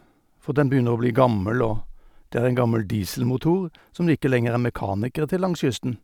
For den begynner å bli gammel, og det er en gammel dieselmotor som det ikke lenger er mekanikere til langs kysten.